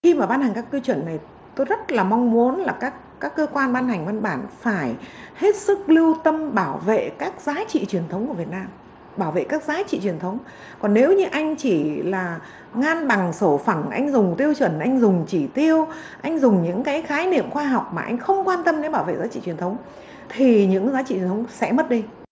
khi mà ban hành các quy chuẩn này tôi rất là mong muốn là các các cơ quan ban hành văn bản phải hết sức lưu tâm bảo vệ các giá trị truyền thống của việt nam bảo vệ các giá trị truyền thống còn nếu như anh chỉ là ngang bằng sổ phẳng anh dùng tiêu chuẩn anh dùng chỉ tiêu anh dùng những cái khái niệm khoa học mà anh không quan tâm đến bảo vệ giá trị truyền thống thì những giá trị truyền thống sẽ mất đi